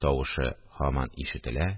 Тавышы һаман ишетелә,